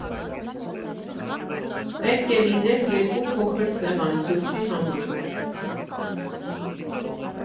Պետք է լիներ երկու փոքր սեղան՝ սուրճի համար։